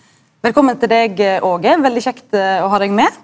velkommen til deg Aage veldig kjekt ha deg med.